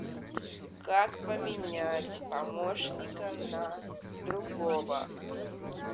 как поменять помощника на другого